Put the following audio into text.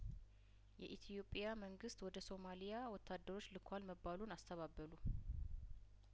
የኢትዮጵያ መንግስት ወደ ሶማሊያ ወታደሮች ልኳል መባሉን አስተባበሉ